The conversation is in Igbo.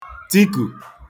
tikù